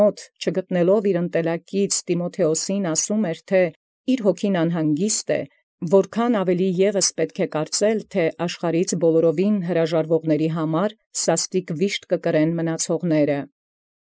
Ոչ գտեալ առժամայն զընդելակիցն զՏիմոթէոս՝ անհանգիստ զհոգւոյն ասէ, ո՛րչափ ևս առաւել զմիանգամայն զհրաժարելոցն՝ սաստիկ կիրս մնացելոցն է համարեալ։